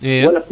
iyo